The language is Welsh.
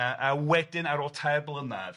Yy a wedyn ar ôl tair blynedd